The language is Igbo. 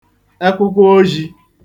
ekwụkwọozī